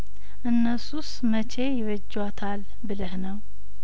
እነሱ ስመቼ ይበጇታል ብለህ ነው